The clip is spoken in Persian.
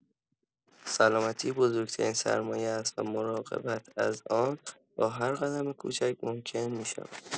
سلامتی بزرگ‌ترین سرمایه است و مراقبت از آن با هر قدم کوچک ممکن می‌شود.